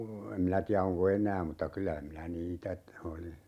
en minä tiedä onko enää mutta kyllä minä niitä - oli